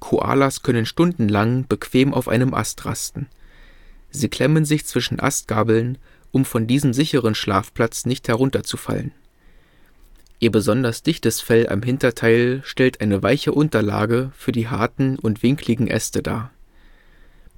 Koalas können stundenlang bequem auf einem Ast rasten. Sie klemmen sich zwischen Astgabeln, um von diesem sicheren Schlafplatz nicht herunterzufallen. Ihr besonders dichtes Fell am Hinterteil stellt eine weiche Unterlage für die harten und winkligen Äste dar.